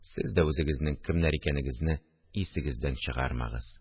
Сез дә үзегезнең кемнәр икәнегезне исегездән чыгармагыз